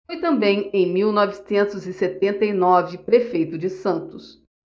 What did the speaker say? foi também em mil novecentos e setenta e nove prefeito de santos